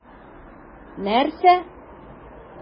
Нәрсә?!